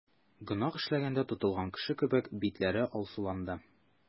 Гөнаһ эшләгәндә тотылган кеше кебек, битләре алсуланды.